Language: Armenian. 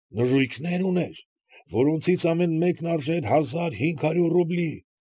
Նժույգներ ուներ, որոնցից ամեն մեկն արժեր հազար հինգ հարյուր ռուբլի։